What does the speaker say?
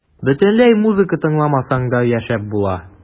Бөтенләй музыка тыңламасаң да яшәп була.